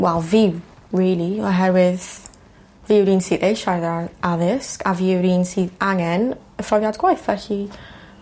Wel fi rili oherwydd fi yw'r un sydd eisiau ar- addysg a fi yw'r un sydda angen hyfforddiant gwaith felly